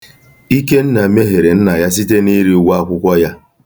Ikenna mehiere nna ya site n'iri ụgwọ akwụkwọ ya. Ach